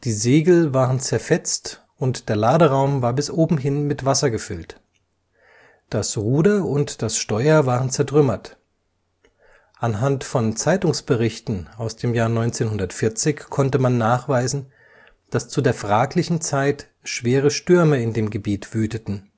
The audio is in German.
Segel waren zerfetzt und der Laderaum war bis oben hin mit Wasser gefüllt. Das Ruder und das Steuer waren zertrümmert. Anhand von Zeitungsberichten aus dem Jahr 1940 konnte man nachweisen, dass zu der fraglichen Zeit schwere Stürme in dem Gebiet wüteten